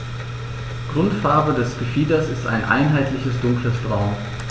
Grundfarbe des Gefieders ist ein einheitliches dunkles Braun.